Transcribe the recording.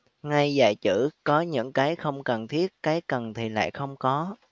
ngay dạy chữ có những cái không cần thiết cái cần thì lại không có